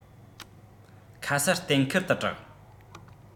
ཁ གསལ གཏན འཁེལ ཏུ གྲགས